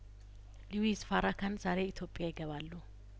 ሉዊስ ፋራ ካን ዛሬ ኢትዮጵያይገባሉ